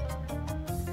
Sanunɛ